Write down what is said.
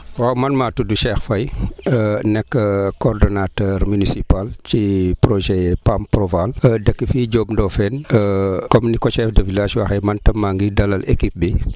waaw man maa tudd Cheikh Faye nekk coorxdonnateur municipal ci projet PAM Proval dëkk fii Diop Ndofène comme ni ko chef de village waxee man tam maa ngi dalal équipe bi